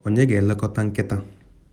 Onye ga-elekọta nkịta?